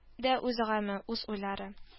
Дә үз гаме, үз уйлары